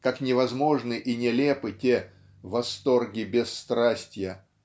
как невозможны и нелепы те "восторги бесстрастья"